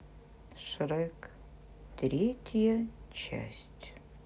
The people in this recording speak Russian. шрек третья часть